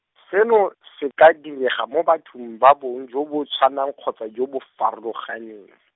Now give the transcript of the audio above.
seno, se ka direga mo bathong ba bong jo bo tshwanang kgotsa jo bo farologaneng.